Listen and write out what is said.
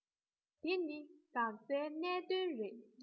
དེ ནི འགག རྩའི གནད དོན རེད